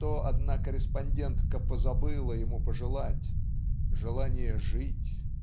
что одна корреспондентка позабыла ему пожелать "желания жить".